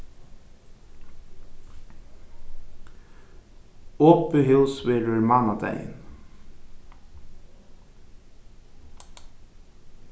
opið hús verður mánadagin